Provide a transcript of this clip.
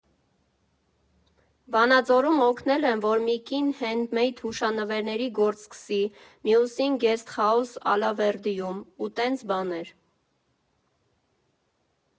Վանաձորում օգնել են, որ մի կին հենդ֊մեյդ հուշանվերների գործ սկսի, մյուսին՝ գեսթ֊հաուս Ալավերդիում, ու տենց տարբեր։